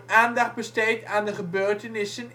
aandacht besteed aan de gebeurtenissen